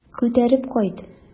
Күтәреп кайт.